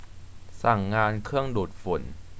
สั่งงานเครื่องดูดฝุ่น